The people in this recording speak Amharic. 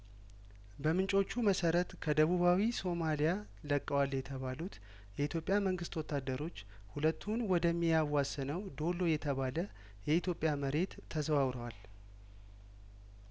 በምንጮቹ መሰረት ከደቡባዊ ሶማሊያ ለቀዋል የተባሉት የኢትዮጵያ መንግስት ወታደሮች ሁለቱን ወደሚያዋስ ነው ዶሎ የተባለ የኢትዮጵያ መሬት ተዘዋውረዋል